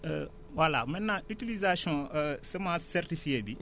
voilà maintenant utilisation semence certifiée bi